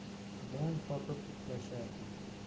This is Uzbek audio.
dong qotib uxlashardi